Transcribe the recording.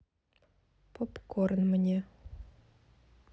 попкорн мне